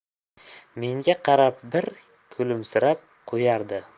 menga qarab bir kulimsirab qo'yardi